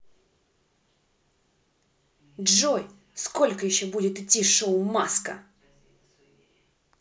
джой сколько еще будет идти шоу маска